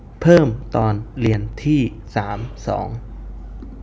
เพิ่มตอนเรียนที่สามสอง